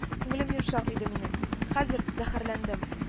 Күңелем йомшак иде минем. Хәзер зәһәрләндем